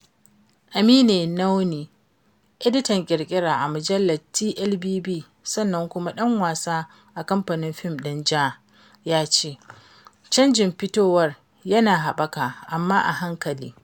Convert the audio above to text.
Amine Nawny, editan ƙirƙira a mujallar TLBB sannan kuma ɗan wasa a Kamfanin Fim na JAA ya ce, ''Canjin fitowar yana haɓaka amma a hankali''.